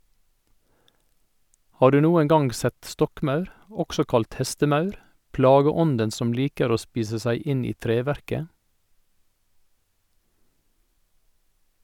Har du noen gang sett stokkmaur, også kalt hestemaur, plageånden som liker å spise seg inn i treverket?